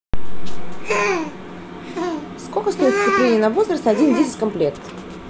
сколько стоит сцепление на возраст один десять комплект